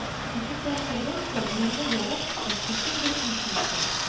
Ишектән кергәч тә, борынны ярып, әчкелтем бер ис аңкый